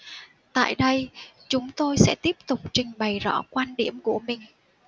tại đây chúng tôi sẽ tiếp tục trình bày rõ quan điểm của mình